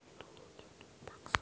ютуб песня покер фейс